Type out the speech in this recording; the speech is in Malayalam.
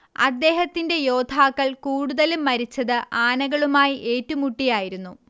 അദ്ദേഹത്തിന്റെ യോദ്ധാക്കൾ കൂടുതലും മരിച്ചത് ആനകളുമായി ഏറ്റുമുട്ടിയായിരുന്നു